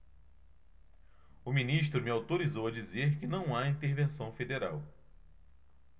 o ministro me autorizou a dizer que não há intervenção federal